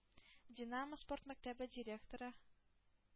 «динамо» спорт мәктәбе директоры